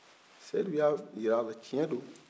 sedu y'a jira a la cen do